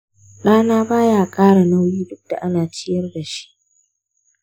ɗana ba ya ƙara nauyi duk da ana ciyar da shi.